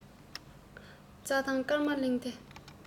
རྩ ཐང སྐར མ གླིང འདི